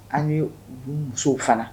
An bɛ musow fana